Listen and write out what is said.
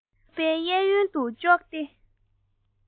ཕོར པའི གཡས གཡོན དུ ཙོག སྟེ